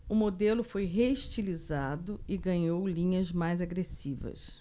o modelo foi reestilizado e ganhou linhas mais agressivas